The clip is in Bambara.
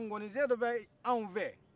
ngɔninsen dɔ bɛ aw fɛ